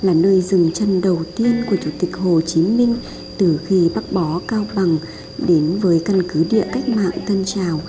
là nơi dừng chân đầu tiên của chủ tịch hồ chí minh từ khi bắc bó cao bằng đến với căn cứ địa cách mạng tân trào